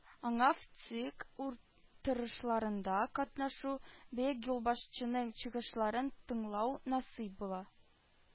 Аңа ВЦИК утырышларында катнашу, бөек юлбашчының чыгышларын тыңлау насыйп була